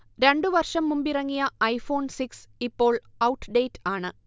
രണ്ടു വർഷം മുമ്പിറങ്ങിയ ഐഫോൺ സിക്സ് ഇപ്പോൾ ഔട്ട്ഡേറ്റ് ആണ്